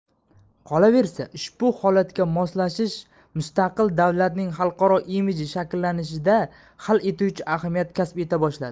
qolaversa ushbu holatga moslashish mustaqil davlatning xalqaro imiji shakllanishida hal etuvchi ahamiyat kasb eta boshladi